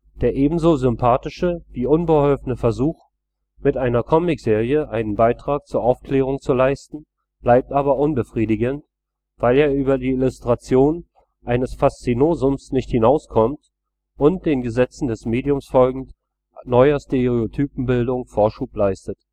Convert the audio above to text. Der ebenso sympathische wie unbeholfene Versuch […], mit einer Comic-Serie einen Beitrag zur Aufklärung zu leisten, bleibt aber unbefriedigend, weil er über die Illustration eines Faszinosums nicht hinauskommt und – den Gesetzen des Mediums folgend – neuer Stereotypenbildung Vorschub leistet